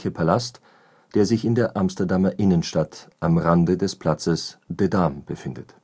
Palast, der sich in der Amsterdamer Innenstadt am Rande des Platzes de Dam befindet